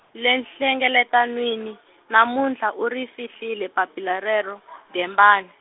le nhlengeletanwini, namuntlha u ri fihlile papila rero , Gembani.